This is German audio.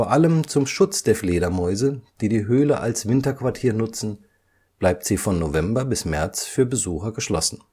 allem zum Schutz der Fledermäuse, die die Höhle als Winterquartier nutzen, bleibt sie von November bis März für Besucher geschlossen